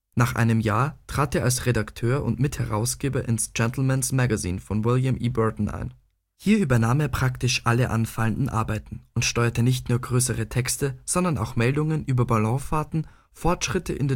Nach einem Jahr trat er als Redakteur und Mitherausgeber ins Gentlemen’ s Magazine von William E. Burton ein. Hier übernahm er praktisch alle anfallenden Arbeiten und steuerte nicht nur größere Texte, sondern auch Meldungen über Ballonfahrten, Fortschritte in